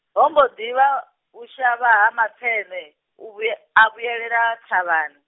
ho mbo ḓi vha, u shavha ha mapfeṋe, u vhue-, a vhuelela, thavhani.